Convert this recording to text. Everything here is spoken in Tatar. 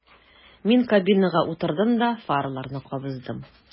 Мин кабинага утырдым да фараларны кабыздым.